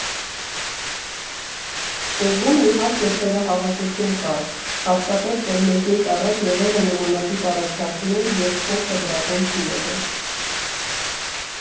Սկզբում, իհարկե, թերահավատություն կար, հատկապես, որ մեզնից առաջ եղել են նմանատիպ առաջարկներ և փորձը դրական չի եղել։